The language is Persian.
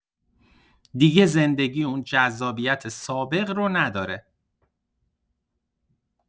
دیگه زندگی اون جذابیت سابق رو نداره!